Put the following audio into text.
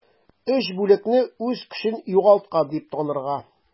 3 бүлекне үз көчен югалткан дип танырга.